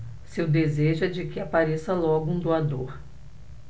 seu desejo é de que apareça logo um doador